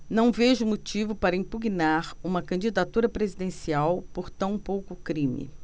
não vejo motivo para impugnar uma candidatura presidencial por tão pouco crime